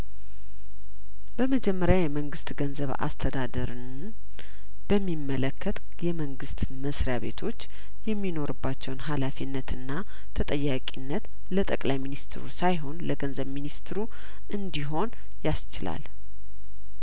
በመጀመሪያ የመንግስት ገንዘብ አስተዳደርን በሚመለከት የመንግስት መስሪያ ቤቶች የሚኖርባቸውን ሀላፊነትና ተጠያቂነት ለጠቅላይ ሚኒስትሩ ሳይሆን ለገንዘብ ሚኒስትሩ እንዲሆን ያስችላል